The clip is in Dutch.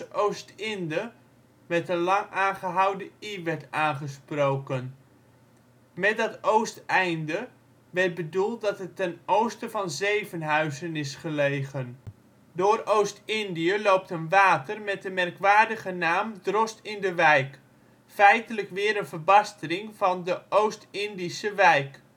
Oostínde (met een lang aangehouden i) werd uitgesproken. Met dat oosteinde werd bedoeld dat het ten oosten van Zevenhuizen is gelegen. Door Oostindie loopt een water met de merkwaardige naam Drost-in-de-wijk, feitelijk weer een verbastering van De Oostindische Wijk